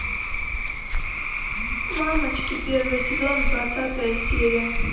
мамочки первый сезон двадцатая серия